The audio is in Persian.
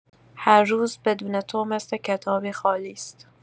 هر روز بدون تو مثل کتابی خالی ست.